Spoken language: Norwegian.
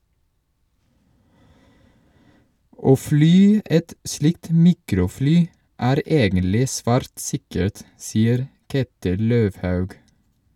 - Å fly et slikt mikrofly er egentlig svært sikkert , sier Ketil Løvhaug.